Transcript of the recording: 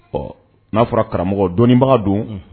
Ɔ n'a fɔra karamɔgɔ dɔnniibaga don